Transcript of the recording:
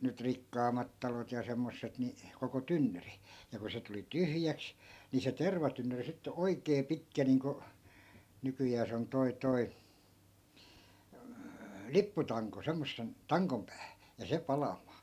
nyt rikkaammat talot ja semmoiset niin koko tynnyri ja kun se tuli tyhjäksi niin se tervatynnyri sitten oikein pitkä niin kuin nykyään se on tuo tuo lipputanko semmoisen tangon päähän ja se palamaan